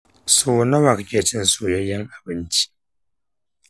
so nawa kake chin soyayyen abinci?